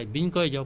si tali bi nga ne